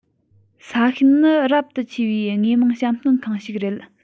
ས ཤུན ནི རབ ཏུ ཆེ བའི དངོས མང བཤམས སྟོན ཁང ཞིག ཡིན